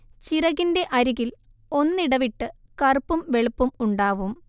ചിറകിന്റെ അരികിൽ ഒന്നിടവിട്ട് കറുപ്പും വെളുപ്പും ഉണ്ടാവും